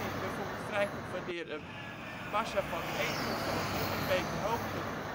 bijvoorbeeld vrijkomt wanneer een massa van 1 ton vanaf 100 meter hoogte op de grond valt is te vergelijken